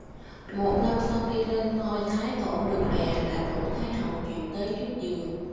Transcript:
một năm sau khi lên ngôi thái tổ được mẹ là đỗ thái hậu triệu tới trước giường